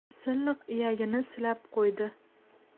silliq iyagini silab qo'ydi